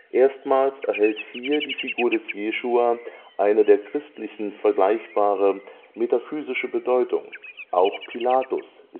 Erstmals erhält hier die Figur des Jeschua eine der christlichen vergleichbare, metaphysische Bedeutung; auch Pilatus